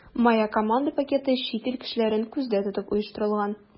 “моя команда” пакеты чит ил кешеләрен күздә тотып оештырылган.